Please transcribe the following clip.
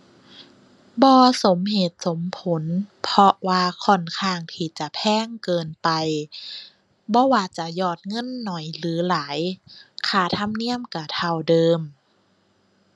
บ่สมเหตุสมผล เพราะว่าค่อนข้างที่จะแพงเกินไป บ่ว่าจะยอดเงินน้อยหรือหลาย ค่าธรรมเนียมก็เท่าเดิม